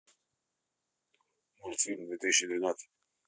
мультфильмы две тысячи девятнадцать